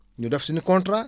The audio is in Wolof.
ñu def suñu contrat